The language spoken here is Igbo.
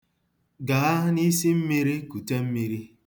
Gaa n'isimmiri kute mmiri.